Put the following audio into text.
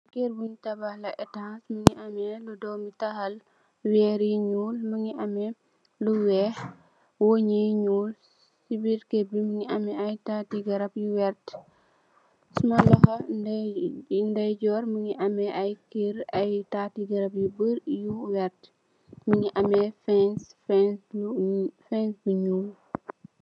Ki mungi tabakh etass bu ameh domi tahal weri nyool mungi ameh lu weex wonj yu nyool ci biir keer bi mungi ameh ay tati garap yu weert summa loho ndeyjoor mungi ameh ay keer ay tati garap yu bari yu weert mungi ameh ay fens fens bu nyool